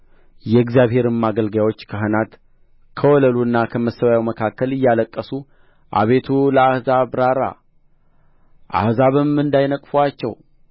የእግዚአብሔርም አገልጋዬች ካህናት ከወለሉና ከመሠዊያው መካከል እያለቀሱ አቤቱ ለሕዝብህ ራራ አሕዛብም እንዳይነቅፉአቸው